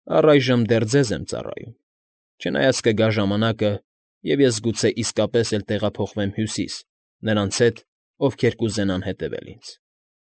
Առայժմ դեռ ձեզ եմ ծառայում, չնայած կգա ժամանակը, և ես, գուցե, իսկապես էլ կտեղափոխվեմ Հյուսիս նրանց հետ, ովքեր կուզենան հետևել ինձ։